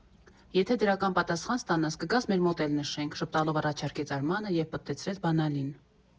Եթե դրական պատասխան ստանաս՝ կգաս մեր մոտ էլ նշենք, ֊ ժպտալով առաջարկեց Արմանը և պտտեցրեց բանալին։